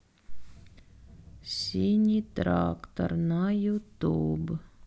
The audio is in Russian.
синий трактор на ютуб